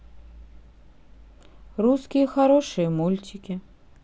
русские хорошие мультики